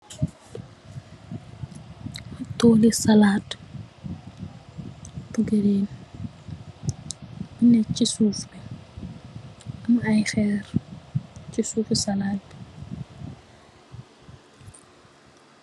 Tuli salat bu girin, nekk ci suuf bi, am ay xeer ci suufi salatbi.